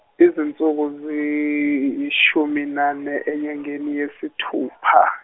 izinsuku ziyishumi nane enyangeni yesithupha.